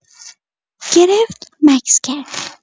گرفت، مکث کرد.